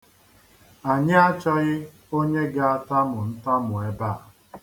Anyị achọghị onye ga-atamu ntamu ebe a.